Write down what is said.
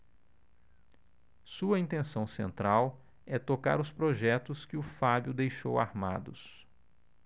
sua intenção central é tocar os projetos que o fábio deixou armados